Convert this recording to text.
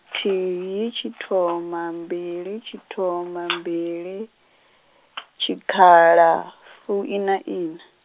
thihi tshithoma, mbili tshithoma mbili, tshikhala, fuiṋaiṋa.